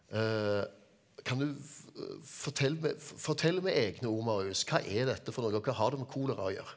kan du fortell med egne ord Marius, hva er dette for noe og hva har det med kolera å gjøre?